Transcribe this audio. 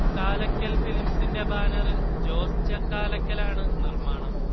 ചക്കാലക്കൽ ഫിലിമ്സിൻെറ ബാനറിൽ ജോസ് ചക്കലാക്കലാണ് നിർമ്മാണം